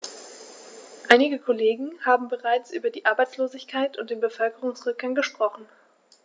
Einige Kollegen haben bereits über die Arbeitslosigkeit und den Bevölkerungsrückgang gesprochen.